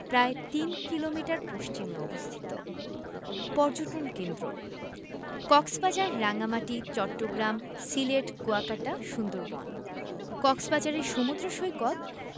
প্রায় তিন কিলোমিটার পশ্চিমে অবস্থিত পর্যটন কেন্দ্রঃ কক্সবাজার রাঙ্গামাটি চট্টগ্রাম সিলেট কুয়াকাটা সুন্দরবন কক্সবাজারের সমুদ্র সৈকত